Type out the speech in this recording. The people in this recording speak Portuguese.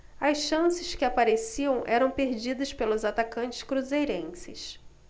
as chances que apareciam eram perdidas pelos atacantes cruzeirenses